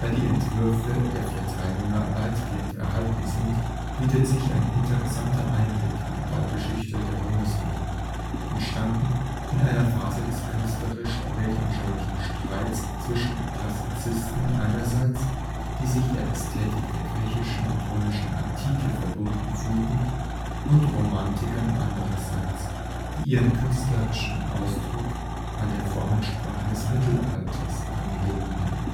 die Entwürfe der vier Teilnehmer weitgehend erhalten sind, bietet sich ein interessanter Einblick in die Baugeschichte der Ruhmeshalle, entstanden in einer Phase des künstlerisch-weltanschaulichen Streits zwischen Klassizisten einerseits, die sich der Ästhetik der griechischen und römischen Antike verbunden fühlten, und Romantikern andererseits, die ihren künstlerischen Ausdruck an die Formensprache des Mittelalters anlehnten